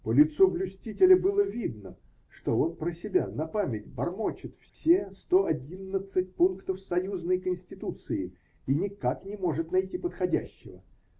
По лицу блюстителя было видно, что он про себя на память бормочет все сто одиннадцать пунктов союзной конституции и никак не может найти подходящего